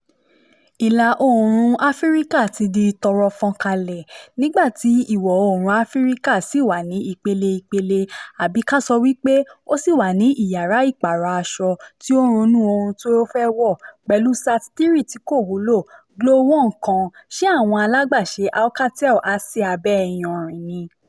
Ìlà oòrùn Áfíríkà ti di tọ́rọ́ fọ́n kálẹ̀... Nígbà tí ìwọ oòrùn Áfíríkà sì wà ní ìpele ìpìlẹ̀ (àbí ká sọ wí pé ó sì wà ní ìyára ìpàrọ̀ aṣọ tí ó ń ronú ohun tí ó fẹ́ wọ̀) pẹ̀lú SAT-3 tí kò wúlò, GLO-1 kan (ṣé àwọn alágbàṣe Alcatel há sí abẹ́ iyanrìn ni?)